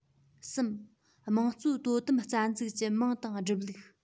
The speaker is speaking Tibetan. གསུམ དམངས གཙོའི དོ དམ རྩ འཛུགས ཀྱི མིང དང གྲུབ ལུགས